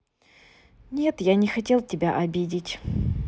нет я не хотел тебя обидеть